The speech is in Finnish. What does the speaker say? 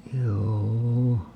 juu